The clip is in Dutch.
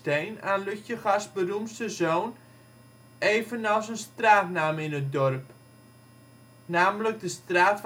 aan Lutjegasts beroemdste zoon, evenals een straatnaam in het dorp, namelijk de straat